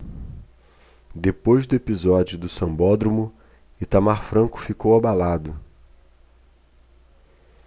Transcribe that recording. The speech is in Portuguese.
depois do episódio do sambódromo itamar franco ficou abalado